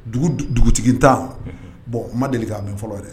Dugu Dugutigi ntan bɔn ma deli ka mɛn fɔlɔ dɛ.